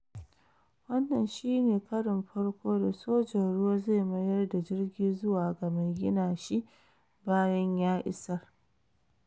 Wannan shi ne karin farko da Sojin ruwa zai mayar da jirgi zuwa ga mai gina shi bayan ya isar.